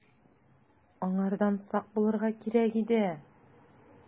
Аңардан сак булырга кирәк иде.